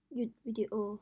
หยุดวีดีโอ